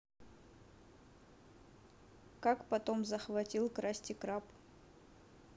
как потом захватил красти краб